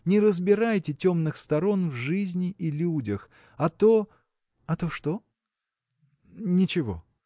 не разбирайте темных сторон в жизни и людях а то. – А то что? – Ничего!